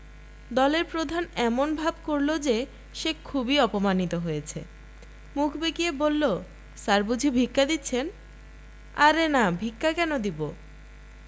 দলের প্রধান এমন ভাব করল যে সে খুবই অপমানিত হয়েছে মুখ বেঁকিয়ে বলল স্যার বুঝি ভিক্ষা দিচ্ছেন আরে না ভিক্ষা কেন দিব